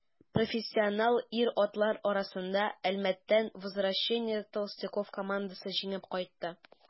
Профессионал ир-атлар арасында Әлмәттән «Возвращение толстяков» командасы җиңеп чыкты.